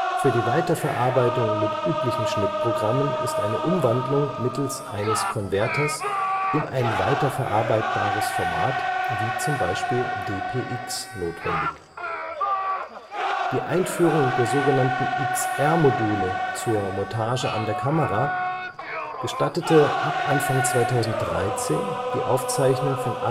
Für die Weiterverarbeitung mit üblichen Schnittprogrammen ist eine Umwandlung mittels eines Converters (APX) in ein weiterverarbeitbares Format wie z. B. DPX notwendig. Die Einführung der sogenannten XR-Module zum Montage an der Kamera (nachrüstbar für die Alexa-Modelle, Standard bei Alexa XT) gestattete ab Anfang 2013 die Aufzeichnung von